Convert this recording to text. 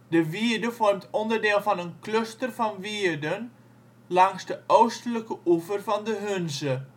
De wierde vormt onderdeel van een cluster van wierden langs de oostelijke oever van de Hunze